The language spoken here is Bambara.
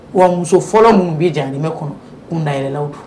Wa muso fɔlɔ minnu bɛ janmɛ kɔnɔ kunda yɛlɛ la